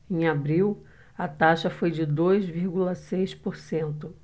em abril a taxa foi de dois vírgula seis por cento